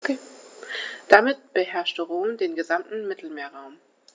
Damit beherrschte Rom den gesamten Mittelmeerraum.